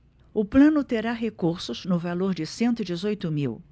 o plano terá recursos no valor de cento e dezoito mil